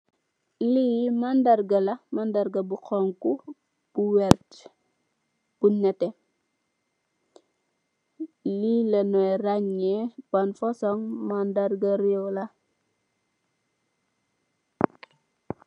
Le mandarga la.mandarga bu honha bu verter bu nette le len di ranne ban fason mandarga rew la.